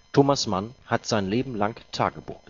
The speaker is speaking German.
Thomas Mann hat sein Leben lang Tagebuch